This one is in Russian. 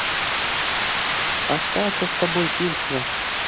остаться с тобой песня